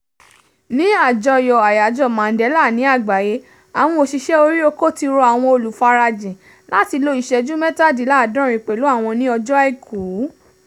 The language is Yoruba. Ní àjọyọ̀ Àyájọ́ Mandela ní Àgbáyé, àwọn òṣìṣẹ́ orí oko ti rọ àwọn olùfarajìn láti lo ìṣẹ́jú 67 pẹ̀lú àwọn ní ọjọ́ Àìkú.